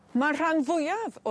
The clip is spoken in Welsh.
Ma'r rhan fwyaf